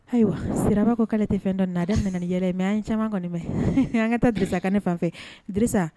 Ayiwa siraba ko kɛlen tɛ fɛn dɔ naa dɛ nɛgɛ ni yɛlɛ mɛ caman kɔnɔ an ka taa desa ka ne fan fɛ disa